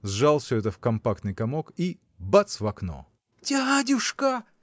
сжал все это в компактный комок и – бац в окно. – Дядюшка!